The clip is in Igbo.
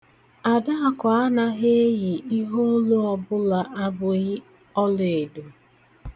Adakụ anaghị eyi ihe ọlụ ọbụla abụghị ọleedo.